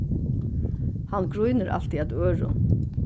hann grínur altíð at øðrum